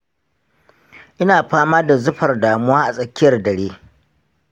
ina fama da zufar damuwa a tsakkiyar dare.